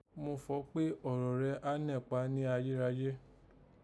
Mo fọ̀ọ́ kpé ọ̀rọ̀ re a nẹ́kpa ni ayérayé